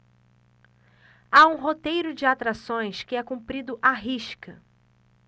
há um roteiro de atrações que é cumprido à risca